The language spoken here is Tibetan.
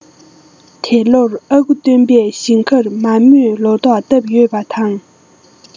དེ ལོར ཨ ཁུ སྟོན པས ཞིང ཁར མ རྨོས ལོ ཏོག བཏབ ཡོད པ དང